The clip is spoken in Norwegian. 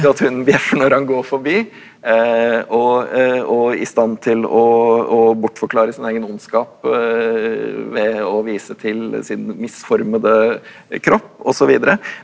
at hunden bjeffer når han går forbi og og i stand til å å bortforklare sin egen ondskap ved å vise til sin misformede kropp og så videre.